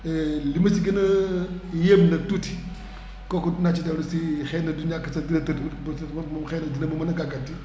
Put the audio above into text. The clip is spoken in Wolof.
li ma ci gën a yéem nag tuuti kooku naa ci si xëy na du ñàkk sax directeur moom xëy na dina ma mën a gaganti